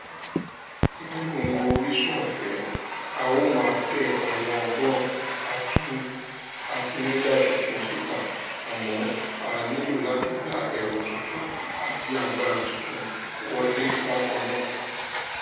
Ìpolongo orísun-ọ̀fẹ́ – a óò máa tẹ àwọn ọgbọ́n àtinúdá tuntun síta, àmọ́ a nílò láti gba èrò tuntun àti agbára tuntun wọlé bákan náà.